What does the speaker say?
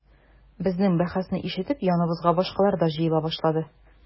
Безнең бәхәсне ишетеп яныбызга башкалар да җыела башлады.